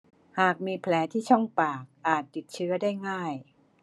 หากมีแผลที่ช่องปากอาจติดเชื้อได้ง่าย